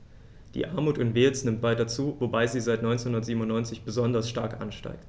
Die Armut in Wales nimmt weiter zu, wobei sie seit 1997 besonders stark ansteigt.